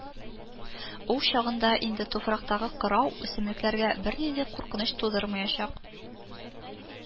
Ул чагында инде туфрактагы кырау үсемлекләргә бернинди куркыныч тудырмаячак